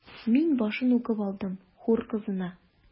Мин башын укып алдым: “Хур кызына”.